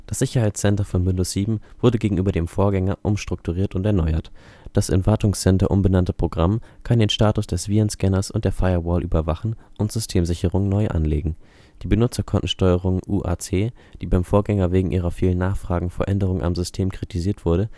Sicherheitscenter von Windows 7 wurde gegenüber dem Vorgänger umstrukturiert und erneuert. Das in Wartungscenter umbenannte Programm kann den Status des Virenscanners und der Firewall überwachen und Systemsicherungen neu anlegen. Die Benutzerkontensteuerung (UAC), die beim Vorgänger wegen ihrer vielen Nachfragen vor Änderungen am System kritisiert wurde